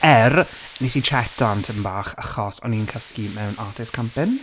Er, wnes i tsetan tipyn bach, achos o'n i'n cysgu mewn artist campin'.